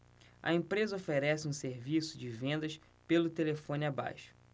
a empresa oferece um serviço de vendas pelo telefone abaixo